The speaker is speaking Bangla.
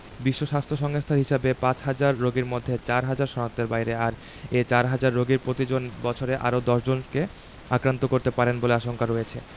বিশ্ব স্বাস্থ্য সংস্থার হিসেবে পাঁচহাজার রোগীর মধ্যে চারহাজার শনাক্তের বাইরে আর এ চারহাজার রোগীর প্রতিজন বছরে আরও ১০ জনকে আক্রান্ত করতে পারেন বলে আশঙ্কা রয়েছে